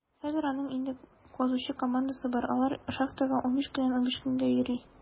Хәзер аның инде ике казучы командасы бар; алар шахтага 15 көннән 15 көнгә йөри.